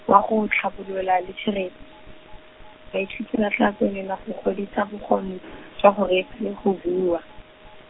wa go, tlhabolola litheresi, baithuti ba tla tswelela go godisa bokgoni, jwa go reetse, le go bua.